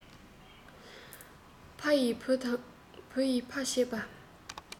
ཕ ཡིས བུ དང བུ ཡིས ཕ བྱེད པ